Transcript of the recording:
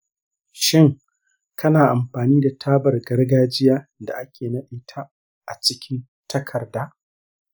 shin kana amfani da tabar gargajiya da ake nade ta a cikin takarda?